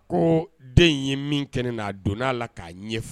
Ko den in ye min kɛnɛ'a donna'a la k'a ɲɛ